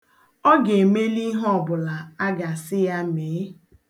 Ọ ga-emeli ihe ọbụla a ga-asi ya mee.